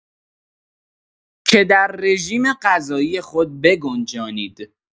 که در رژیم‌غذایی خود بگنجانید